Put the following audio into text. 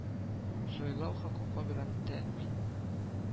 Сайлау хокукы белән тәэмин